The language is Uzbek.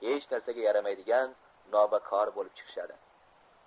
hech narsaga yaramaydigan nobakor bo'lib chiqishadi